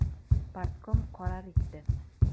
Партком карар итте.